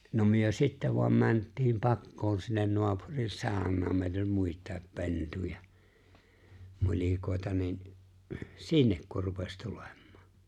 no me sitten vain mentiin pakoon sinne naapurin saunaan meitä oli muita pentuja nulikoita niin sinne kun rupesi tulemaan